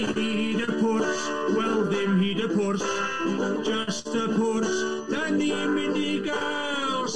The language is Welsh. Wel, dim hyd y pwrs, jyst y pwrs. Dan ni'n mynd i gael sing-